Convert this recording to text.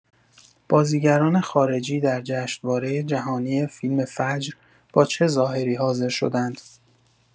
بازیگران خارجی در جشنواره جهانی فیلم فجر با چه ظاهری حاضر شدند؟